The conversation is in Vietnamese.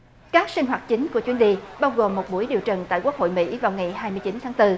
các sinh hoạt chính của chuyến đi bao gồm một buổi điều trần tại quốc hội mỹ vào ngày hai mươi chín tháng tư